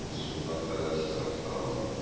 мең сумга кадәр штраф каралган.